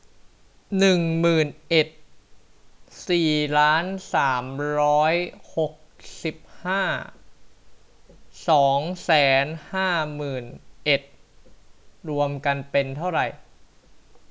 หนึ่งหมื่นเอ็ดสี่ล้านสามร้อยหกสิบห้าสองแสนห้าหมื่นเอ็ดรวมกันเป็นเท่าไหร่